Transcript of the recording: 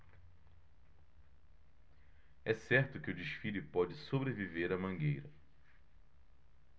é certo que o desfile pode sobreviver à mangueira